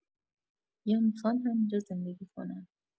یا میخوان همینجا زندگی کنن